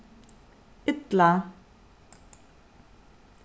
illa